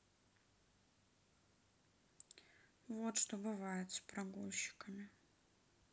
вот что бывает с прогульщиками